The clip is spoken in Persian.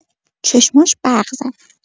چشماش برق زد.